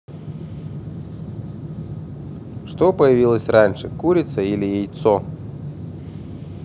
что появилось раньше курица или яйцо